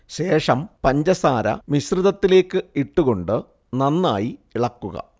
ശേഷം പഞ്ചസാര മിശ്രിതത്തിലേക്ക് ഇട്ട് കൊണ്ട് നന്നായി ഇളക്കുക